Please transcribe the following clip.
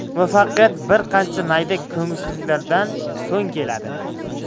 muvaffaqiyat bir qancha mayda ko'ngilsizliklardan so'ng keladi